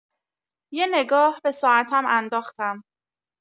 یه نگاه به ساعتم انداختم.